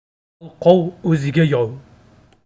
yalqov o'ziga yov